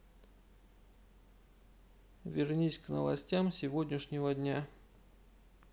вернись к новостям сегодняшнего дня